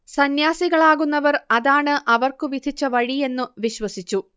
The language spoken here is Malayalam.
സന്യാസികളാകുന്നവർ അതാണ് അവർക്കു വിധിച്ച വഴി എന്നു വിശ്വസിച്ചു